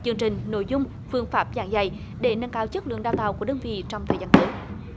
chương trình nội dung phương pháp giảng dạy để nâng cao chất lượng đào tạo của đơn vị trong thời gian tới